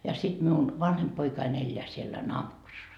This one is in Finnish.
ja sitten minun vanhempi poikani elää siellä